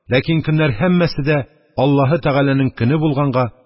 Ләкин көннәр һәммәсе дә Аллаһе Тәгаләнең көне булганга,